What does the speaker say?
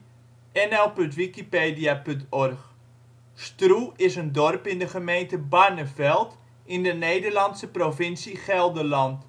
52° 11 ' NB, 5° 41 ' OL Stroe Plaats in Nederland Situering Provincie Gelderland Gemeente Barneveld Coördinaten 52° 11′ NB, 5° 41′ OL Algemeen Inwoners (2004) 1500 Detailkaart Locatie in de gemeente Barneveld Foto 's Ingang van het dorp Portaal Nederland Stroe is een dorp in de gemeente Barneveld, in de Nederlandse provincie Gelderland.